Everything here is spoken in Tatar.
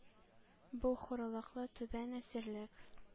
Бу хурлыклы түбән әсирлек!